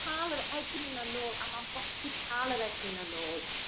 ...ca'l yr egni 'na nôl a ma'n bosib ca'l yr egni 'na nôl.